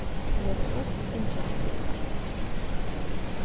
les upp innkeypslista